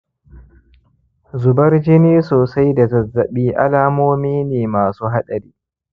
zubar jini sosai da zazzaɓi alamomi ne masu haɗari